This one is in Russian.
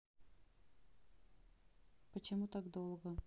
почему так долго